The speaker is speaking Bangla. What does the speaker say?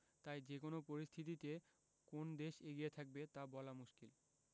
তাই যেকোনো পরিস্থিতিতে কোন দেশ এগিয়ে থাকবে তা বলা মুশকিল